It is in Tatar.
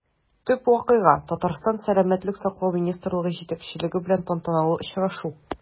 Төп вакыйга – Татарстан сәламәтлек саклау министрлыгы җитәкчелеге белән тантаналы очрашу.